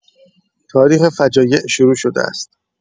تاریخ فجایع شروع شده است.